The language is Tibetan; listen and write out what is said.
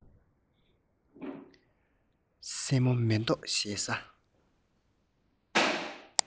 སྲས མོ མེ ཏོག བཞད ས